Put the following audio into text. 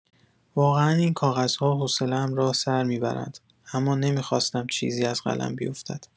واقعا این کاغذها حوصله‌ام را سر می‌برند، اما نمی‌خواستم چیزی از قلم بیفتد.